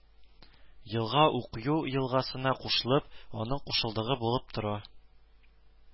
Елга Укъю елгасына кушылып, аның кушылдыгы булып тора